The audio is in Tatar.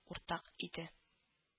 Уртак иде